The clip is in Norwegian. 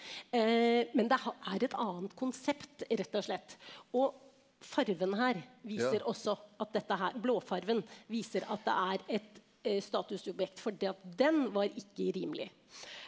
men det er et annet konsept rett og slett, og fargen her viser også at dette her blåfargen viser at det er et statusobjekt, fordi at den var ikke rimelig.